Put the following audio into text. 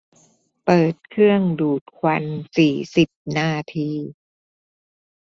เปิดเครื่องดูดควันสี่สิบนาที